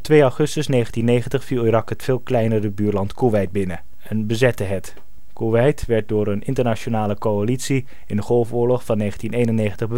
2 augustus 1990 viel Irak het veel kleinere buurland Koeweit binnen en bezette het. Koeweit werd door een internationale coalitie in de Golfoorlog van 1991 bevrijd